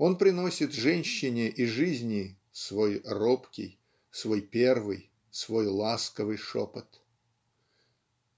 он приносит женщине и жизни "свой робкий свой первый свой ласковый шепот".